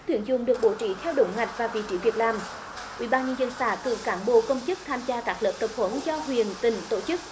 tuyển dụng được bố trí theo đúng ngạch và vị trí việc làm ủy ban nhân dân xã cử cán bộ công chức tham gia các lớp tập huấn do huyện tỉnh tổ chức